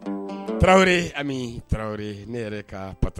Tarawele tarawele ne yɛrɛ ka pata